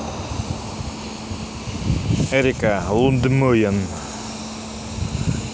эрика лундмоен